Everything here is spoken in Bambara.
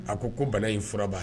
A ko ko bana in furaba